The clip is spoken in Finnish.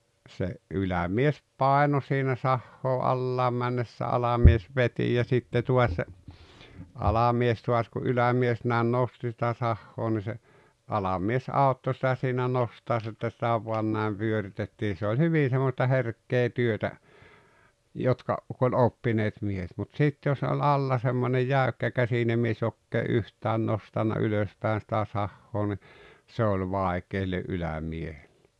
se ylämies painoi siinä sahaa alas mennessä alamies veti ja sitten taas alamies taas kun ylämies näin nosti sitä sahaa niin se alamies auttoi sitä siinä nostaessa että sitä vain näin vyörytettiin se oli hyvin semmoista herkkää työtä jotka kun oli oppineet miehet mutta sitten jos oli alla semmoinen jäykkäkäsinen mies joka ei yhtään nostanut ylöspäin sitä sahaa niin se oli vaikea sille ylämiehelle